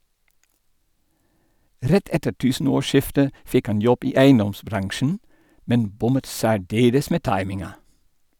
Rett etter tusenårsskiftet fikk han jobb i eiendomsbransjen - men bommet særdeles med timinga.